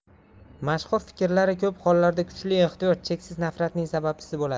mashhur fikrlari ko'p hollarda kuchli ehtiyoj cheksiz nafratning sababchisi bo'ladi